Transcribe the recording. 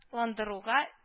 Ландыруга